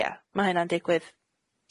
Ia ma' hynna'n digwydd.